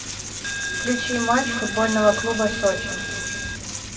включи матч футбольного клуба сочи